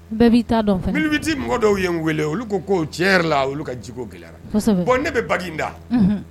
Bɛɛ bɛ ta dɔn bbiti mɔgɔ dɔw ye wele olu ko ko cɛ yɛrɛ la olu ka ji gɛlɛ ne bɛ ba da